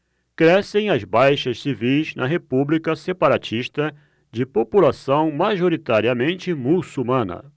crescem as baixas civis na república separatista de população majoritariamente muçulmana